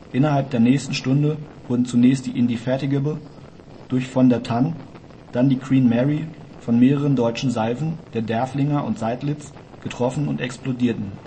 Innerhalb der nächsten Stunde wurden zunächst die Indefatigable (durch von der Tann), dann die Queen Mary von mehreren deutschen Salven (der Derfflinger und Seydlitz) getroffen und explodierten